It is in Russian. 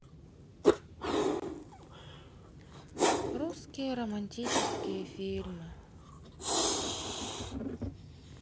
русские романтические фильмы